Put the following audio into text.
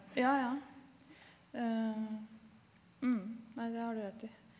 ja ja det har du rett i.